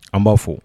An b'a fo